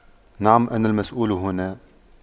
نعم انا المسؤول هنا